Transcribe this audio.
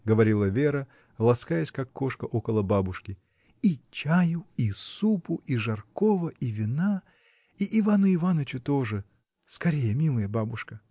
— говорила Вера, ласкаясь, как кошка, около бабушки, — и чаю, и супу, и жаркого, и вина. И Ивану Иванычу тоже. Скорее, милая бабушка!